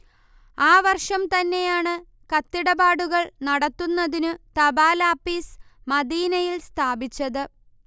ആ വർഷം തന്നെയാണ് കത്തിടപാടുകൾ നടത്തുന്നതിനു തപാലാപ്പീസ് മദീനയിൽ സ്ഥാപിച്ചത്